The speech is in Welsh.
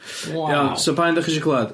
Waw. Iawn, so pa un 'dych chi isio clŵad?